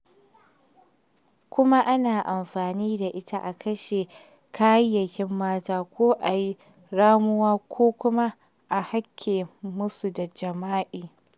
Kuma ana amfani da ita a kwashe kayayyakin matan ko a yi ramuwa ko kuma ma a haike musu da jima'i.